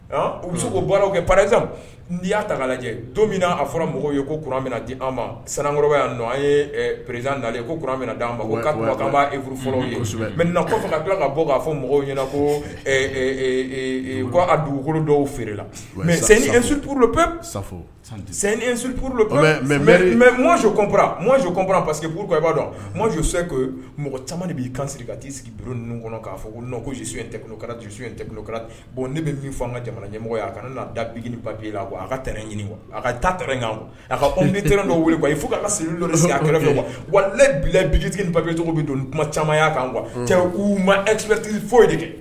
U bɛ se ko baaraw kɛ pɛz n'i y'a ta lajɛ don min a fɔra mɔgɔw ye kouran min di an ma sankɔrɔ yan nɔ an ye pererezan na ye ko kuran mina d'an ma' fɔlɔ mɛ na fana ka ka bɔ k'a fɔ mɔgɔw ɲɛna ko ga a dugukolo dɔw feere la mɛ suuru su mɛ mɛ mɔprakura pa parce que i b'a dɔn makan ko mɔgɔ caman de b'i kanto kan ka t'i sigi ninnu kɔnɔ k'a fɔ ko sisu tɛ dususu tɛ bon ne bɛ min fɔ an ka jamana ɲɛmɔgɔ ye a ka ne da bi papi la kuwa a ka t n ɲini wa a ka da t ɲɔgɔn a t n' weele i fo ka don a wa bila bijitigi bapicogo bɛ don kuma camanya kan kuwa cɛu ma epti foyi de kɛ